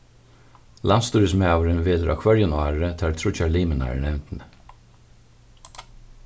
landsstýrismaðurin velur á hvørjum ári teir tríggjar limirnar í nevndini